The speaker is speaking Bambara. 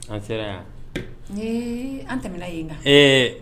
An sera yan ee an tɛmɛna yen na ee